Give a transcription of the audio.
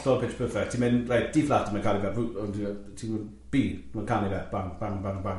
Ti'n mynd, reit, dee-flat, ma'n canu fe, fw- ti'n gwbod, ti'n gwbod, bee, ma'n canu fe, bam, bam, bam, bam.